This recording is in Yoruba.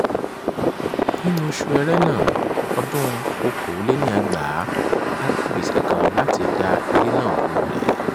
Nínú oṣùu Ẹrẹ́nà ọdún-un 2019, a gbé ìgbésẹ̀ kan láti da ilé náà wó lulẹ̀.